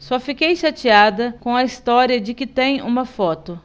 só fiquei chateada com a história de que tem uma foto